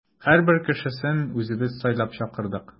Һәрбер кешесен үзебез сайлап чакырдык.